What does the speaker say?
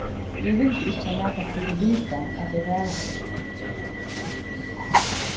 eg vildi ikki at nakar skuldi vita at eg var her